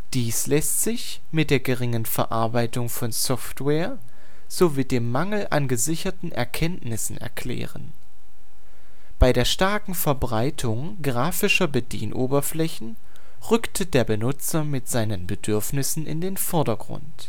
Dies lässt sich mit der geringen Verbreitung von Software sowie dem Mangel an gesicherten Erkenntnissen erklären. Mit der starken Verbreitung grafischer Bedienoberflächen rückte der Benutzer mit seinen Bedürfnissen in den Vordergrund